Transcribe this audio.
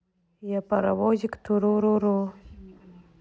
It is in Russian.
я паровозик туруру руру